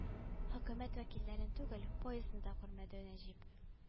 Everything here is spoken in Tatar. Хөкүмәт вәкилләрен түгел поездны да күрмәде нәҗип